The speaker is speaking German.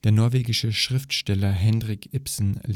norwegische Schriftsteller, Henrik Ibsen